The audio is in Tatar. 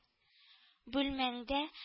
—бүлмәңдә